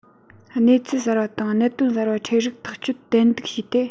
གནས ཚུལ གསར པ དང གནད དོན གསར པ འཕྲད རིགས ཐག གཅོད ཏན ཏིག བྱས ཏེ